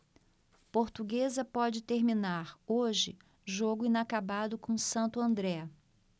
portuguesa pode terminar hoje jogo inacabado com o santo andré